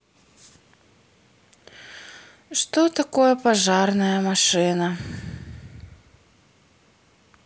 что такое пожарная машина